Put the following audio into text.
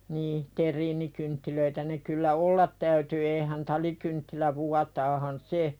niin terriinikynttilöitä ne kyllä olla täytyy eihän talikynttilä vuotaahan se